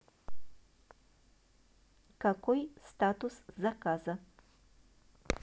какой статус заказа